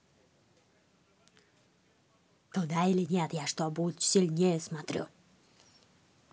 туда или нет я что будь сильнее смотрю